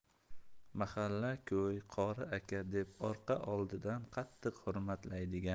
mahalla ko'y qori aka deb orqa oldidan qattiq hurmatlaydigan